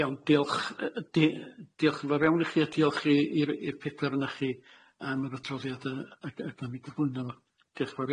Iawn diolch yy yy di- diolch yn fawr iawn i chi a diolch i i'r i'r pedwar onach chi am yr adroddiad yy ag ag am i gyflwyno fo diolch yn fawr.